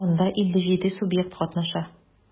Анда 57 субъект катнаша.